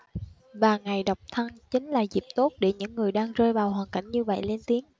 và ngày độc thân chính là dịp tốt để những người đang rơi vào hoàn cảnh như vậy lên tiếng